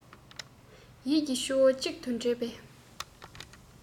ཡིད ཀྱི ཆུ བོ གཅིག ཏུ འདྲེས པའི